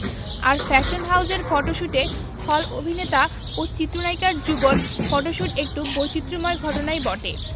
আর fashion হাউজের ফটোশুটে খল অভিনেতা ও চিত্রনায়িকার যুগল ফটোশুট একটু বৈচিত্রময় ঘটনাই বটে